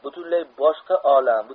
butunlay boshqa olam